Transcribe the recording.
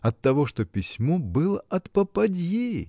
Оттого, что письмо было от попадьи!